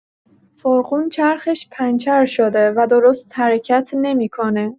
فرغون چرخش پنچر شده و درست حرکت نمی‌کنه.